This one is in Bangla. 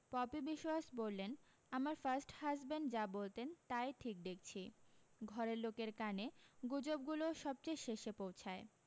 পপি বিশোয়াস বললেন আমার ফার্স্ট হাজবেণ্ড যা বলতেন তাই ঠিক দেখছি ঘরের লোকের কানে গুজবগুলো সব চেয়ে শেষে পৌঁছায়